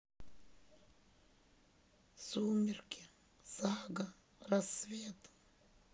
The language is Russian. сумерки сага рассвет